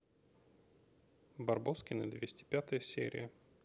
барбоскины двести пятая серия